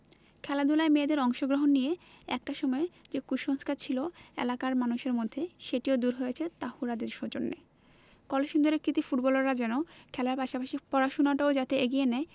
খেলাধুলায় মেয়েদের অংশগ্রহণ নিয়ে একটা সময় যে কুসংস্কার ছিল এলাকার মানুষের মধ্যে সেটিও দূর হয়েছে তাহুরাদের সৌজন্যে কলসিন্দুরের কৃতী ফুটবলাররা যেন খেলার পাশাপাশি পড়াশোনাটাও যাতে এগিয়ে নেয়